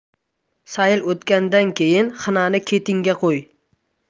sayil o'tgandan keyin xinani ketingga qo'y